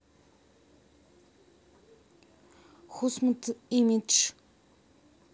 husmut имидж